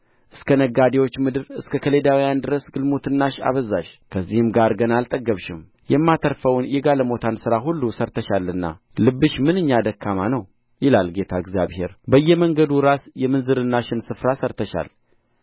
እስከ ነጋዴዎች ምድር እስከ ከላውዴዎን ድረስ ግልሙትናሽን አበዛሽ ከዚህም ጋር ገና አልጠገብሽም የማታፍረውን የጋለሞታን ሥራ ሁሉ ሠርተሻልና ልብሽ ምንኛ ደካማ ነው ይላል ጌታ እግዚአብሔር በየመንገዱ ራስ የምንዝርናሽን ስፍራ ሠርተሻል